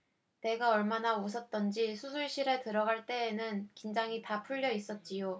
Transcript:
내가 얼마나 웃었던지 수술실에 들어갈 때에는 긴장이 다 풀려 있었지요